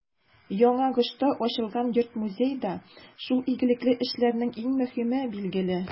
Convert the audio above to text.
Яңагошта ачылган йорт-музей да шул игелекле эшләрнең иң мөһиме, билгеле.